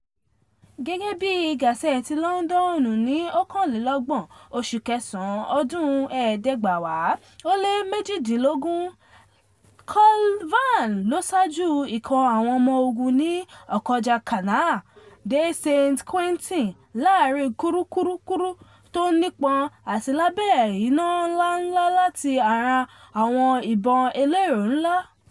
Gẹ́gẹ́bí Gásẹ́ẹ̀tì London, ní 29 oṣù kẹsàn án 1918, Lt Col Van ló saájú ìkọ̀ àwọn ọmọ ogun ní ìkọjá Canal de Saint-Quentin “láàrin kurukuru tó nípọ̀n àti lábẹ́ ẹ iná ńlá ńla láti ara àwọn ìbọ́n ẹlẹ́rọ ńlá."